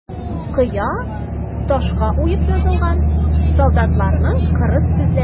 Кыя ташка уеп язылган солдатларның кырыс сүзләре.